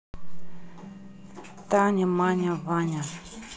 таня маня ваня